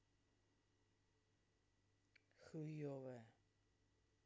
хуевая